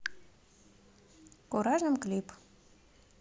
куражим клип